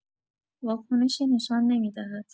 واکنشی نشان نمی‌دهد.